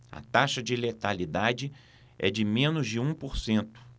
a taxa de letalidade é de menos de um por cento